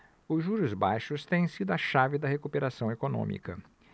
os juros baixos têm sido a chave da recuperação econômica